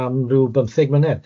Am ryw bymtheg mlynedd.